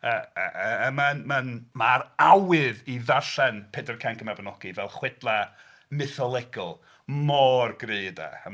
Yy a... a... mae'n... mae'n... mae'r awydd i ddarllen Pedair Cainc y Mabinogi fel chwedlau mytholegol mor gryf 'de.